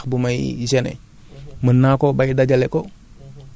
bu dee man dama am sama ginnaaw kër benn ñax bu may géner